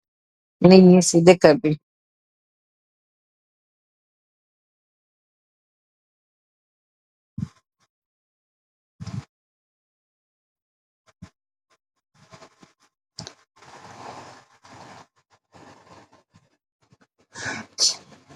Niinyu si deka bi